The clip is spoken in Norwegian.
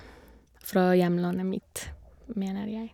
Fra hjemlandet mitt, mener jeg.